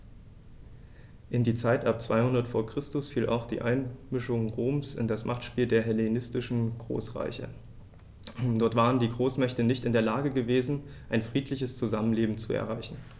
In die Zeit ab 200 v. Chr. fiel auch die Einmischung Roms in das Machtspiel der hellenistischen Großreiche: Dort waren die Großmächte nicht in der Lage gewesen, ein friedliches Zusammenleben zu erreichen.